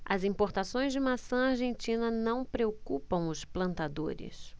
as importações de maçã argentina não preocupam os plantadores